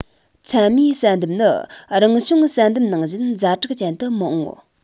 མཚན མའི བསལ འདེམས ནི རང བྱུང བསལ འདེམས ནང བཞིན ཛ དྲག ཅན དུ མི འོངས